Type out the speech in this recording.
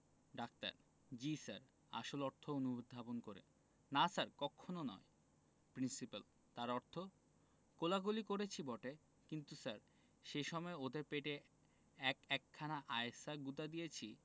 doctor জ্বী sir আসল অর্থ অনুধাবন করে না স্যার কক্ষণো নয় প্রিন্সিপাল তার অর্থ কোলাকুলি করেছি বটে কিন্তু স্যার সে সময় ওদের পেটে এক একখানা আয়সা গুতাদিয়েছে